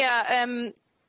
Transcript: Ia yym